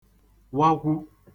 wakwu